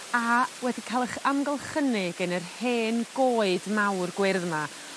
a wedi ca'l 'ych amgylchynu gen yr hen goed mawr gwyr' 'ma.